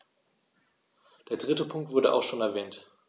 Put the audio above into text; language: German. Der dritte Punkt wurde auch schon erwähnt.